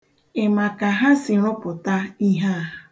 Ị ma ka ha si rụpụta ihe a?